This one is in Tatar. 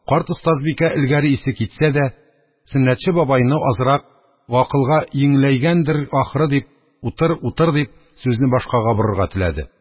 Карт остазбикә, элгәре исе китсә дә, Сөннәтче бабайны азрак гакылга йиңеләйгәндер, ахры, дип: «Утыр, утыр», – дип, сүзне башкага борырга теләде.